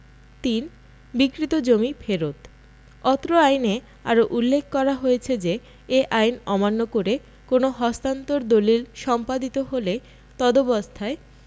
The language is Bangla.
৩ বিক্রীত জমি ফেরত অত্র আইনে আরো উল্লেখ করা হয়েছে যে এ আইন অমান্য করে কোনও হস্তান্তর দলিল সম্পাদিত করা হলে তদবস্থায়